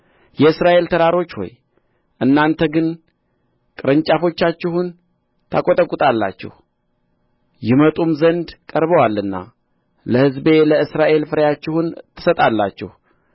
የእስራኤል ተራሮች ሆይ እናንተ ግን ቅርንጫፎቻችሁን ታቈጠቍጣላችሁ ይመጡም ዘንድ ቀርበዋልና ለሕዝቤ ለእስራኤል ፍሬአቸሁን ትሰጣላችሁ